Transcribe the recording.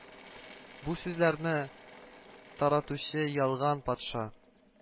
Бу сүзләрне таратучы Ялган патша